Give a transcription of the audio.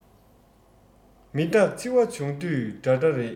མི རྟག འཆི བ བྱུང དུས འདྲ འདྲ རེད